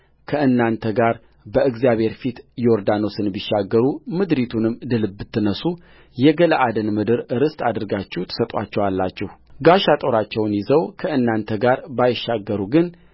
ከእናንተ ጋር በእግዚአብሔር ፊት ዮርዳኖስን ቢሻገሩ ምድሪቱንም ድል ብትነሡ የገለዓድን ምድር ርስት አድርጋችሁ ትሰጡአቸዋላችሁጋሻ ጦራቸውን ይዘው ከእናንተ ጋር ባይሻገሩ ግን